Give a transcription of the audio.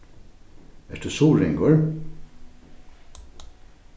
ert tú suðuroyingur